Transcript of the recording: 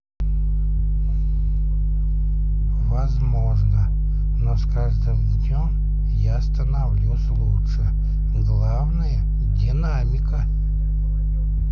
возможно но с каждым днем я становлюсь лучше главное динамика